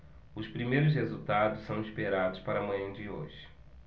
os primeiros resultados são esperados para a manhã de hoje